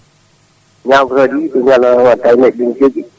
ñagotoɗo yiiɗi ɗum ko Allah waat tawa neɗɗo o ne joogui